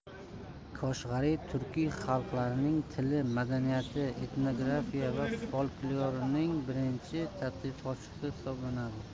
koshg'ariy turkiy xalqlarning tili madaniyati etnografiyasi va folklorining birinchi tadqiqotchisi hisoblanadi